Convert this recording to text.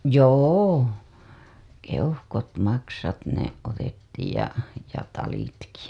joo keuhkot maksat ne otettiin ja ja talitkin